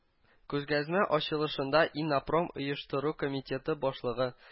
Күргәзмә ачылышында “ИННОПРОМ” оештыру комитеты башлыгы